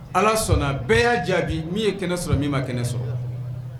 Ala sɔnna bɛɛ y'a jaabi min ye kɛnɛ sɔrɔ min ma kɛnɛ sɔrɔ